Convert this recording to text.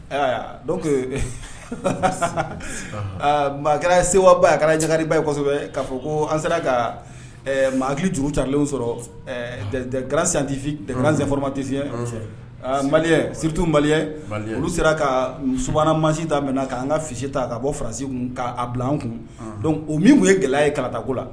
Don makɛ seba kɛra jaba yesɛbɛ k'a fɔ ko an sera ka maki juru talen sɔrɔti garanoromatisi mali sibitu mali olu sera ka su masi ta minɛ na k'an ka fisi ta ka bɔ farasi kun k'a bila an kun don o min ye gɛlɛya ye karatatako la